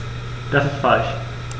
Das ist falsch.